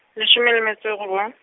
leshome le mme tswe e robong.